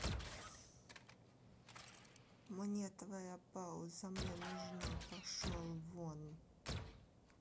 мне твоя пауза мне нужна пошел вон